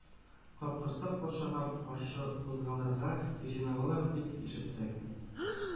Капкорсак патшага каршы кузгалырга җыйналалар дип ишеттек,